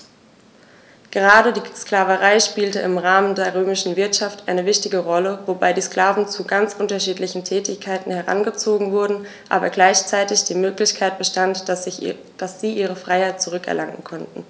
Gerade die Sklaverei spielte im Rahmen der römischen Wirtschaft eine wichtige Rolle, wobei die Sklaven zu ganz unterschiedlichen Tätigkeiten herangezogen wurden, aber gleichzeitig die Möglichkeit bestand, dass sie ihre Freiheit zurück erlangen konnten.